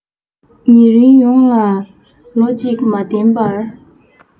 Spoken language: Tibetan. ཉེ རིང ཡོངས ལ ལོ གཅིག མ བརྟེན པར